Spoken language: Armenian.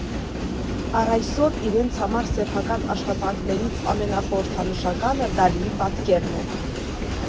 Առ այսօր, իրենց համար սեփական աշխատանքներից ամենախորհրդանշականը Դալիի պատկերն է։